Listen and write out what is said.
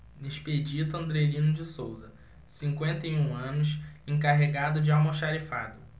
expedito andrelino de souza cinquenta e um anos encarregado de almoxarifado